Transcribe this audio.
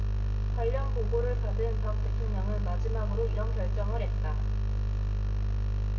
관련 보고를 받은 박 대통령은 마지막으로 이런 결정을 했다